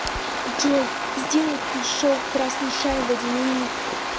джой сделай шел красный шайба динамит